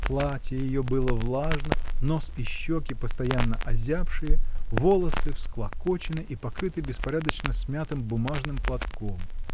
Платье ее было влажно, нос и щеки постоянно озябшие, волосы всклокочены и покрыты беспорядочно смятым бумажным платком.